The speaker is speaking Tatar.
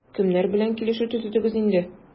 Кемнәр белән килешү төзедегез инде?